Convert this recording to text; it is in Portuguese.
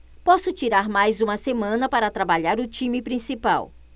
posso tirar mais uma semana para trabalhar o time principal